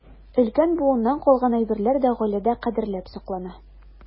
Өлкән буыннан калган әйберләр дә гаиләдә кадерләп саклана.